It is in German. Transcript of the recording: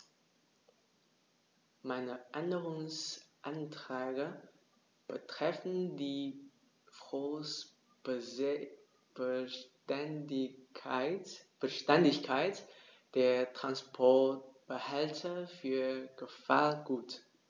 Meine Änderungsanträge betreffen die Frostbeständigkeit der Transportbehälter für Gefahrgut.